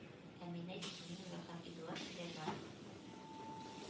Әминә Юзмиева һәм Эдуард Сөләйманов.